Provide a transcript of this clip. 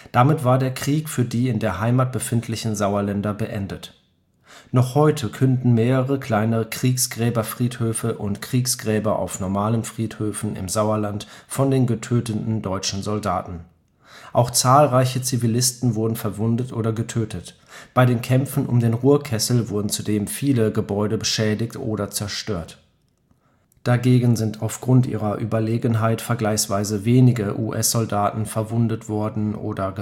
Damit war der Krieg für die in der Heimat befindlichen Sauerländer beendet. Noch heute künden mehrere kleinere Kriegsgräberfriedhöfe und Kriegsgräber auf normalen Friedhöfen im Sauerland von den getöteten deutschen Soldaten. Auch zahlreiche Zivilisten wurden verwundet oder getötet. Bei den Kämpfen um den Ruhrkessel wurden zudem viele Gebäude beschädigt oder zerstört. Dagegen sind auf Grund ihrer Überlegenheit vergleichsweise wenige US-Soldaten verwundet worden oder